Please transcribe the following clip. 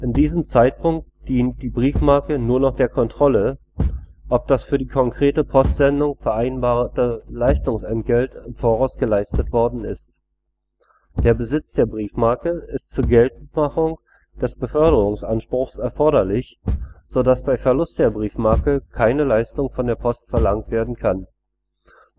In diesem Zeitpunkt dient die Briefmarke nur noch der Kontrolle, ob das für die konkrete Postsendung vereinbarte Leistungsentgelt im Voraus geleistet worden ist. Der Besitz der Briefmarke ist zur Geltendmachung des Beförderungsanspruchs erforderlich, sodass bei Verlust der Briefmarke keine Leistung von der Post verlangt werden kann.